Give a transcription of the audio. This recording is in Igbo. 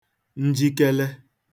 njikele